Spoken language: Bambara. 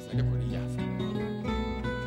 Ne kɔnni y'a fɔ